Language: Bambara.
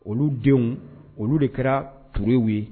Olu denw olu de kɛra to ye